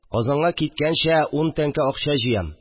Казанга киткәнчә ун тәңкә акча җыям